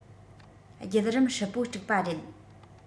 བརྒྱུད རིམ ཧྲིལ པོ དཀྲུགས པ རེད